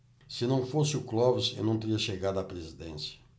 se não fosse o clóvis eu não teria chegado à presidência